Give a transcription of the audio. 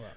waaw